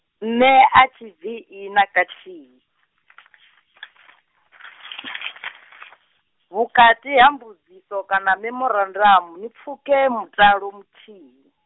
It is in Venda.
nṋe a thi vii na khathihi, vhukati ha mbudziso kana memorandamu ni pfuke mutalo muthihi.